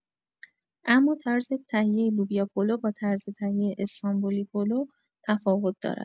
اما طرز تهیه لوبیا پلو با طرز تهیه استانبولی پلو تفاوت دارد.